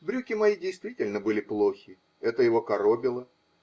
Брюки мои, действительно, были плохи, это его коробило